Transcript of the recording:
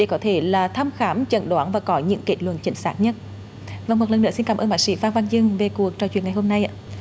có thể là thăm khám chẩn đoán và có những kết luận chính xác nhất một lần nữa xin cảm ơn bác sĩ phan văn chương về cuộc trò chuyện ngày hôm nay ạ